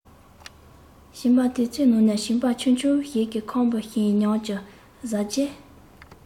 བྱིས པ དེ ཚོའི ནང ནས བྱིས པ ཆུང ཆུང ཞིག གིས ཁམ བུ ཞིམ ཉམས ཀྱིས བཟས རྗེས